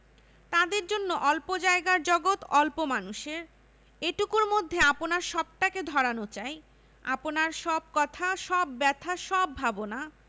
তাদের জন্য অল্প জায়গার জগত অল্প মানুষের এটুকুর মধ্যে আপনার সবটাকে ধরানো চাই আপনার সব কথা সব ব্যাথা সব ভাবনা